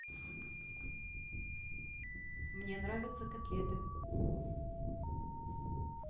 мне нравятся котлеты